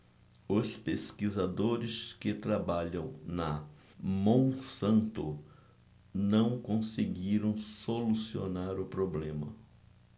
os pesquisadores que trabalham na monsanto não conseguiram solucionar o problema